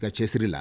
Ka cɛsiri la